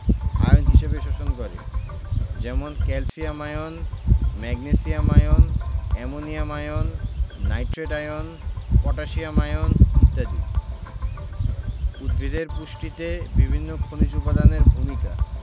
ion হিসেবে শোষণ করে যেমন calcium ion magnesium ion ammonium ion nitrate ion potassium ion ইত্যাদি উদ্ভিদের পুষ্টিতে বিভিন্ন খনিজ উপাদানের ভূমিকা